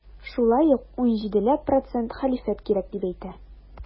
Шулай ук 17 ләп процент хәлифәт кирәк дип әйтә.